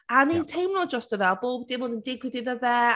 A o’n i’n teimlo drosto fe a bob dim oedd yn digwydd iddo fe...